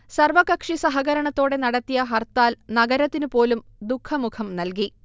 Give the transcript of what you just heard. സർവകക്ഷി സഹകരണത്തോടെ നടത്തിയ ഹർത്താൽ നഗരത്തിന് പോലും ദുഃഖമുഖം നൽകി